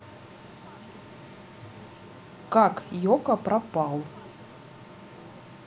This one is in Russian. как йоко пропал